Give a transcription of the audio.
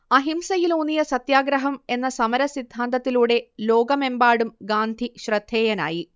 അഹിംസയിലൂന്നിയ സത്യാഗ്രഹം എന്ന സമര സിദ്ധാന്തത്തിലൂടെ ലോകമെമ്പാടും ഗാന്ധി ശ്രദ്ധേയനായി